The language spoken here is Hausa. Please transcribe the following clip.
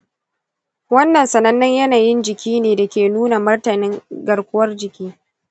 wannan sanannen yanayin jiki ne da ke nuna martanin garkuwar jiki.